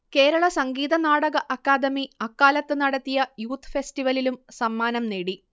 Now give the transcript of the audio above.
കേരള സംഗീതനാടക അക്കാദമി അക്കാലത്ത് നടത്തിയ യൂത്ത്ഫെസ്റ്റിവലിലും സമ്മാനംനേടി